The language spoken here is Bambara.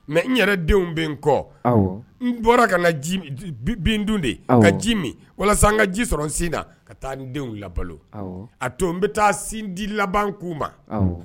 Mɛ n yɛrɛ denw bɛ n kɔ n bɔra ka na bin dun de ka ji min walasa an ka ji sɔrɔ n sin na ka taa n denw la balo a to n bɛ taa sin di laban k'u ma